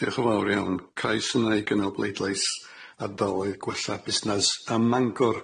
Diolch yn fawr iawn. Cais yna i gynnal bleidlais ardaloedd gwella busnas ym Mangor.